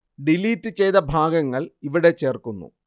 delete ചെയ്ത ഭാഗങ്ങൾ ഇവിടെ ചേർക്കുന്നു